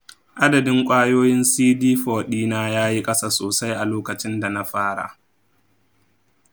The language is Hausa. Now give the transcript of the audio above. adadin ƙwayoyin cd4 ɗina ya yi ƙasa sosai a lokacin da na fara.